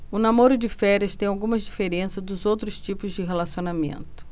o namoro de férias tem algumas diferenças dos outros tipos de relacionamento